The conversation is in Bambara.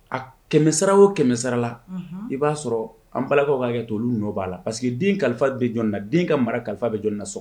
A kɛmɛsara o kɛmɛ sarala i b'a sɔrɔ an balakaw ka kɛ tolu nɔ b'a la parce que den kalifa bɛ jɔn na den ka mara kalifa bɛ na so